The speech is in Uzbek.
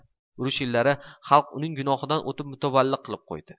urush yillari xalq uning gunohidan o'tib mutavvali qilib qo'ydi